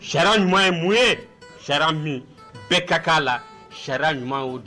sariyya ɲuman ye mun ye ? sariya min bɛɛ ka kan a la, sariya ɲuman ye o de ye.